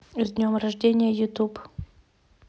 с днем рождения ютуб